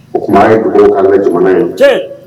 O tuma ye dugu ala bɛ jamana ye cɛ